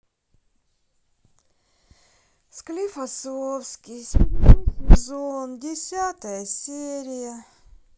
склифосовский седьмой сезон десятая серия